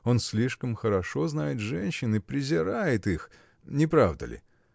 Он слишком хорошо знает женщин и презирает их. Не правда ли?